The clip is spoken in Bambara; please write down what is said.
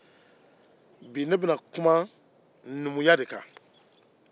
bi ne bɛna kuma numuya de kan